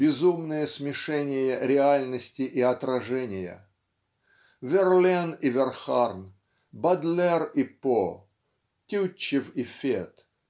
безумное смешение реальности и отражения. Верлэн и Верхарн Бодлэр и По Тютчев и Фет